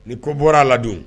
Ni ko bɔra la dun?